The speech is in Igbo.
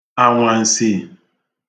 ànwànsi